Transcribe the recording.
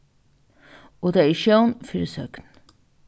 og tað er sjón fyri søgn